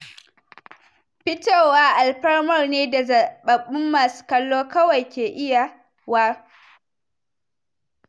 Fitowa alfarma ne da zababbun masu kalo kawai ke iya wa.